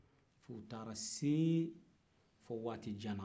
fo u taara se fo waati jan na